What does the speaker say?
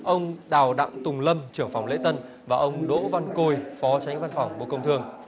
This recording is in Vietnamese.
ông đào đặng tùng lâm trưởng phòng lễ tân và ông đỗ văn côi phó chánh văn phòng bộ công thương